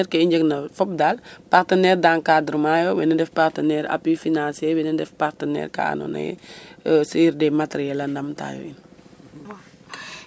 Ke i njegna fop daal partenaire d' encadrement yo wene ndef partenaire appuie financier wene ndef partenaire ka andoona yee sur des materiels a ndamtaayo in.